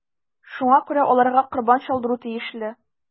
Шуңа күрә аларга корбан чалдыру тиешле.